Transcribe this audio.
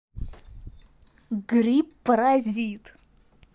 гриб паразит